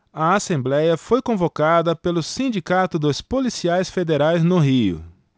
a assembléia foi convocada pelo sindicato dos policiais federais no rio